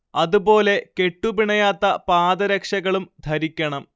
അതു പോലെ കെട്ടു പിണയാത്ത പാദരക്ഷകളും ധരിക്കണം